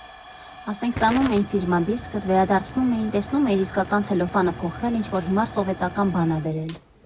Ասենք, տանում էին ֆիրմա դիսկդ, վերադարձնում էին, տեսնում էիր՝ իսկական ցելոֆանը փոխել, ինչ֊որ հիմար սովետական բան ա դրել։